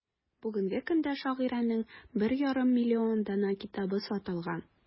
Бүгенге көндә шагыйрәнең 1,5 миллион данә китабы сатылган.